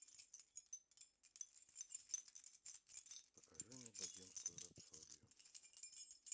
покажи богемскую рапсодию